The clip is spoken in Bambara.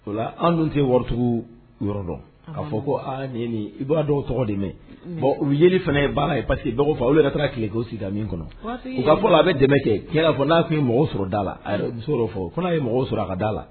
Ola anw dun tɛ warittigiw yɔrɔ dɔn ka fɔ ko i b'a dɔgɔ tɔgɔ de mɛn u ye fana baara ye parce baga fɛ olu taara tileko sida min kɔnɔ ka fɔ a bɛ dɛmɛ kɛ fɔ n'a tun ye mɔgɔ sɔrɔ la fɔ fana ye mɔgɔ sɔrɔ a ka da la